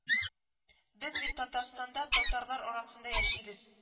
Без бит Татарстанда татарлар арасында яшибез